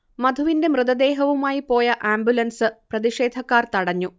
മധുവിന്റെ മൃതദേഹവുമായി പോയ ആംബുലൻസ് പ്രതിഷേധക്കാർ തടഞ്ഞു